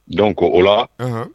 Donc o la